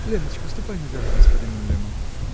Леночка, ступай наверх с господином Леммом.